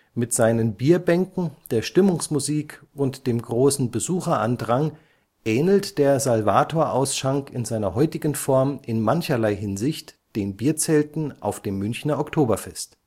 Mit seinen Bierbänken, der Stimmungsmusik und dem großen Besucherandrang ähnelt der Salvator-Ausschank in seiner heutigen Form in mancherlei Hinsicht den Bierzelten auf dem Münchner Oktoberfest